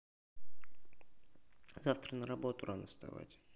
завтра на работу рано вставать